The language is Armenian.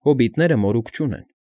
Հոբիտները մորուք չունեն։